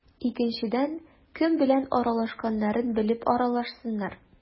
Икенчедән, кем белән аралашканнарын белеп аралашсыннар.